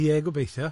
Ie, gobeithio.